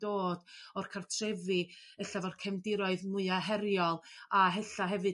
dod o'r cartrefi ella 'for cefndiroedd mwya' heriol a hella hefyd